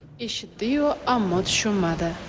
eshitdi yu ammo tushunmadi